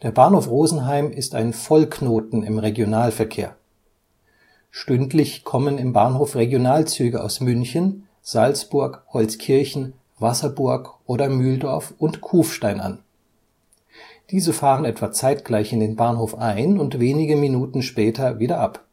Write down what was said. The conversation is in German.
Bahnhof Rosenheim ist ein Vollknoten im Regionalverkehr. Stündlich kommen im Bahnhof Regionalzüge aus München, Salzburg, Holzkirchen, Wasserburg oder Mühldorf und Kufstein an. Diese fahren etwa zeitgleich in den Bahnhof ein und wenige Minuten später wieder ab